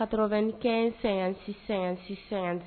Kato kɛ---